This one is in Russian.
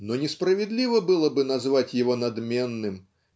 Но несправедливо было бы назвать его надменным